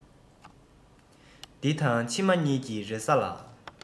འདི དང ཕྱི མ གཉིས ཀྱི རེ ས ལ